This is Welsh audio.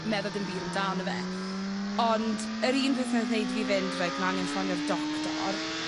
yn meddwl dim byd amdano fe. Ond yr un peth nath neud fi fynd reit ma' angen ffonio'r doctor